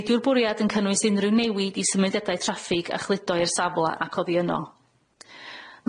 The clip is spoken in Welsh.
Nid yw'r bwriad yn cynnwys unrhyw newid i symudiada traffig a chludo i'r safla ac oddi yno.